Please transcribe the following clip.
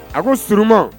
A ko surunma